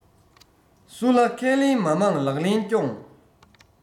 སུ ལ ཁས ལེན མ མང ལག ལེན སྐྱོངས